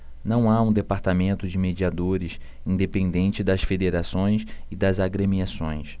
não há um departamento de mediadores independente das federações e das agremiações